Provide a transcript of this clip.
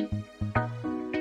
San